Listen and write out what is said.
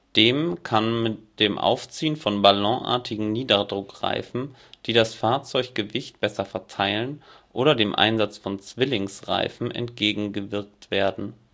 Dem kann mit dem Aufziehen von ballonartigen Niederdruckreifen (Terrareifen), die das Fahrzeuggewicht besser verteilen, oder dem Einsatz von Zwillingsreifen (Montage eines zweiten, vollständigen Rades am eigentlichen Rad des Schleppers) entgegengewirkt werden